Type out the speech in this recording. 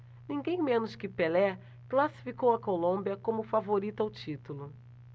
ninguém menos que pelé classificou a colômbia como favorita ao título